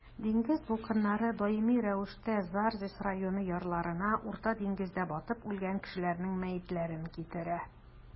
Диңгез дулкыннары даими рәвештә Зарзис районы ярларына Урта диңгездә батып үлгән кешеләрнең мәетләрен китерә.